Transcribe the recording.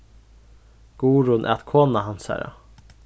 guðrun æt kona hansara